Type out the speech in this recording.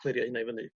clirio hynna i fyny